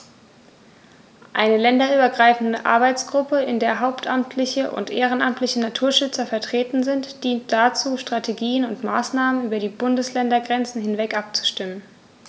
Eine länderübergreifende Arbeitsgruppe, in der hauptamtliche und ehrenamtliche Naturschützer vertreten sind, dient dazu, Strategien und Maßnahmen über die Bundesländergrenzen hinweg abzustimmen.